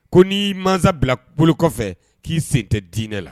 Ko n'i masa bila kolo kɔfɛ k'i sen tɛ dinɛ la